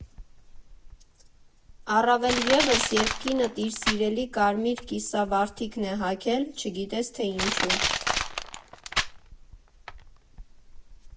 Առավելևս, երբ կինդ իր սիրելի կարմիր կիսավարտիքն է հագել՝ չգիտես թե ինչու։